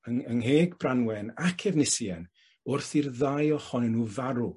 yn yng ngheg Branwen ac Efnisien wrth i'r ddau ohonyn nw farw.